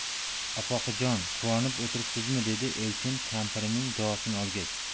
opoqijon quvonib o'tiribsizmi dedi elchin kampirning duosini olgach